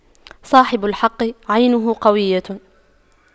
صاحب الحق عينه قوية